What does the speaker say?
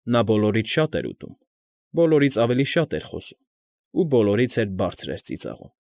Նա բոլորից շատ էր ուտում, բոլորից ավելի շատ էր խոսում ու բոլորից էլ բարձր էր ծիծաղում։